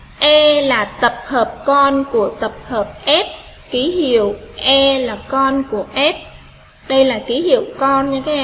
ê là tập hợp con của tập hợp a ký hiệu e là con của ai đây là ký hiệu con cái